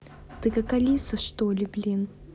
ты как алиса что ли блин